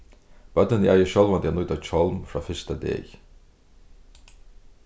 børnini eiga sjálvandi at nýta hjálm frá fyrsta degi